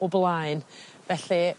o blaen. Felly